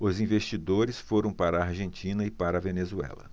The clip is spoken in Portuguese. os investidores foram para a argentina e para a venezuela